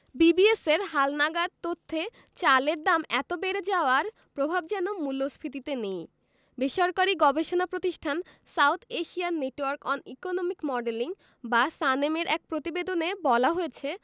বিবিএসের হালনাগাদ তথ্যে চালের দাম এত বেড়ে যাওয়ার প্রভাব যেন মূল্যস্ফীতিতে নেই বেসরকারি গবেষণা প্রতিষ্ঠান South Asian network on economic modelling বা সানেমের এক প্রতিবেদনে বলা হয়েছে